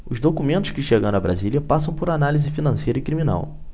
os documentos que chegaram a brasília passam por análise financeira e criminal